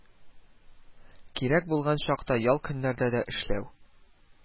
Кирәк булган чакта ял көннәрдә дә эшләү»